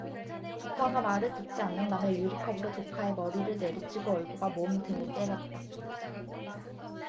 조카가 말을 듣지 않는다며 유리컵으로 조카의 머리를 내리치고 얼굴과 몸 등을 때렸다